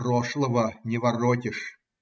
Прошлого не воротишь.